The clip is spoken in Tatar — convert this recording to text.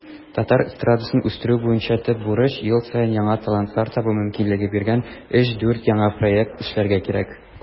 Татар эстрадасын үстерү буенча төп бурыч - ел саен яңа талантлар табу мөмкинлеге биргән 3-4 яңа проект эшләргә кирәк.